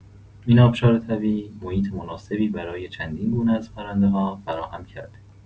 این آبشار طبیعی محیط مناسبی برای چندین گونه از پرنده‌ها فراهم کرده.